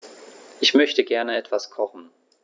Ich möchte gerne etwas kochen.